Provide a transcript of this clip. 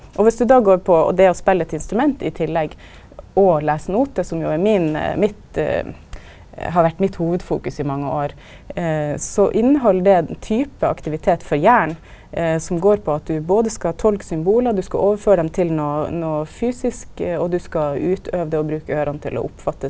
og viss du då går på og det å spela eit instrument i tillegg og lesa notar som jo er min mitt har vore mitt hovudfokus i mange år så inneheld det typar aktivitet for hjernen som går på at du både skal tolka symbol, du skal overføra dei til noko noko fysisk, og du skal utøva det og bruka øyra til å oppfatta.